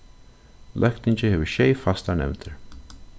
løgtingið hevur sjey fastar nevndir